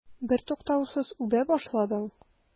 Бертуктаусыз үбә башладың.